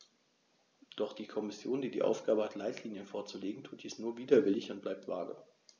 Doch die Kommission, die die Aufgabe hat, Leitlinien vorzulegen, tut dies nur widerwillig und bleibt vage.